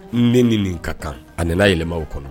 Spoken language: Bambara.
N den ni nin ka kan a n yɛlɛmaw kɔnɔ